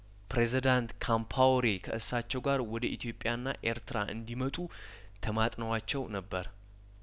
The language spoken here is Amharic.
ፕሬዝዳንት ካምፓዎሬ ከእሳቸው ጋር ወደ ኢትዮጵያና ኤርትራ እንዲ መጡ ተማጥነዋቸው ነበር